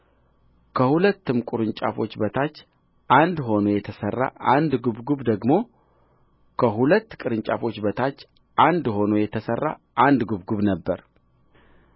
ከሁለትም ቅርንጫፎች በታች አንድ ሆኖ የተሠራ አንድ ጕብጕብ ደግሞ ከሁለት ቅርንጫፎች በታች አንድ ሆኖ የተሠራ አንድ ጕብጕብ ነበረ